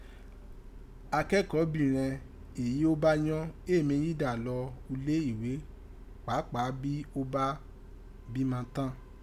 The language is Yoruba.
Akẹ́kọ̀ọ́bìnrẹn èyí ó bá yọ́n éè mí yídà lọ ulé ìwé pàápàá bí ó bá bíma tán.